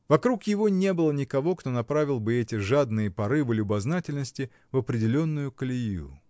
Вокруг его не было никого, кто направил бы эти жадные порывы любознательности в определенную колею.